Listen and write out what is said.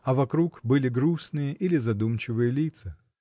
А вокруг были грустные или задумчивые лица.